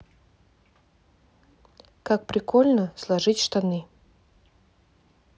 как прикольно сложить штаны